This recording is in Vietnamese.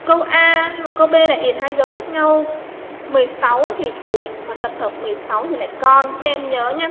câu an và câu b là điểm hai dấu khác nhau thì cuộc mà tập hợp thì lại con kem nhớ nhé